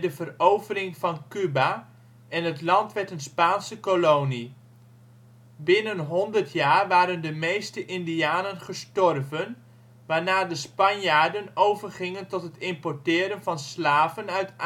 verovering van Cuba en het land werd een Spaanse kolonie. Binnen honderd jaar waren de meeste indianen gestorven, waarna de Spanjaarden overgingen tot het importeren van slaven uit